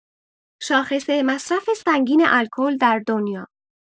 شاخص مصرف سنگین الکل در دنیا